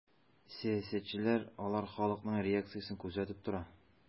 Сәясәтчеләр алар халыкның реакциясен күзәтеп тора.